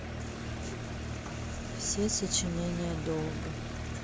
все сочинения долга